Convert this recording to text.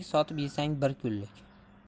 sotib yesang bir kunlik